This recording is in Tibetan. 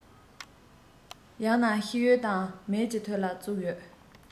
ཡང ན ཤི ཡོད དང མེད ཀྱི ཐོག ལ བཙུགས ཡོད